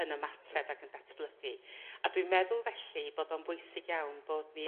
yn ymateb ac yn datblygu a dwi'n meddwl felly bod o'n bwysig iawn bod ni